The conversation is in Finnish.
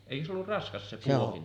eikö se ollut raskas se pohdin